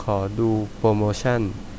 ขอดูโปรโมชั่น